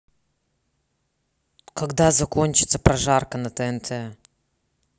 когда закончится прожарка на тнт